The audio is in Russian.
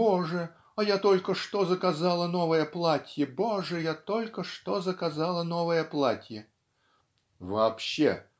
"Боже, а я только что заказала новое платье, Боже, я только что заказала новое платье!", вообще,